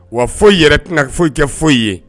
Wa foyi yɛrɛ tɛnafo kɛ foyi ye